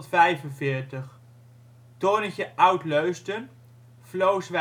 uit 1940-1945 Torentje Oud-Leusden, Vlooswijkerweg. Naar